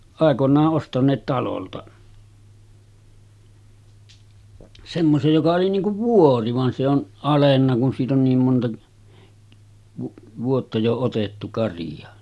aikoinaan ostaneet talolta semmoisen joka oli niin kuin vuori vaan se on alennut kun siitä on niin monta vuotta jo otettu karia